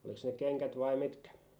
olikos ne kengät vai mitkä